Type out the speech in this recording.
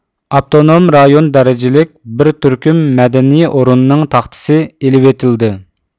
ئاپتونوم رايون دەرىجىلىك بىر تۈركۈم مەدەنىي ئورۇننىڭ تاختىسى ئېلىۋېتىلدى